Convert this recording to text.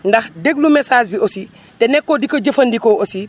ndax déglu message bi aussi te nekkoo di ko jëfandikoo aussi